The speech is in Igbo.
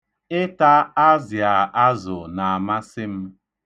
Ịta azịa azụ na-amasị m.